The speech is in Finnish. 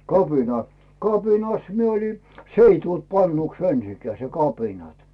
kapina kapinassa minä olin se ei tullut pannuksi ensinkään se kapinat